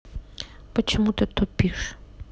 почему ты тупишь